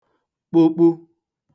kpụkpu